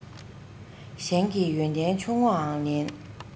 གཞན གྱི ཡོན ཏན ཆུང ངུའང ལེན